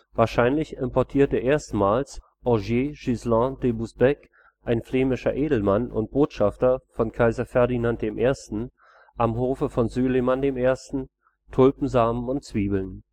Wahrscheinlich importierte erstmals Ogier Ghislain de Busbecq, ein flämischer Edelmann und Botschafter von Kaiser Ferdinand I. am Hofe Süleyman I., Tulpensamen und - zwiebeln